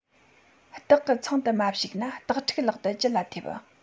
སྟག གི ཚང དུ མ ཞུགས ན སྟག ཕྲུག ལག ཏུ ཅི ལ ཐེབས